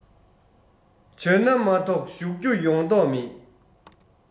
བྱོན ན མ གཏོགས བཞུགས རྒྱུ ཡོང མདོག མེད